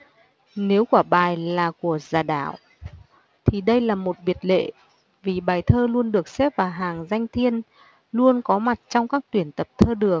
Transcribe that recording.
nếu quả bài là của giả đảo thì đây là một biệt lệ vì bài thơ luôn được xếp vào hàng danh thiên luôn có mặt trong các tuyển tập thơ đường